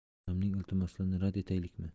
onamning iltimoslarini rad etaylikmi